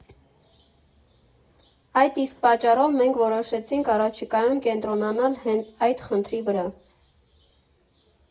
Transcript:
Այդ իսկ պատճառով մենք որոշեցինք առաջիկայում կենտրոնանալ հենց այդ խնդրի վրա։